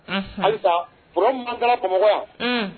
Halisa foro manka bamakɔ yan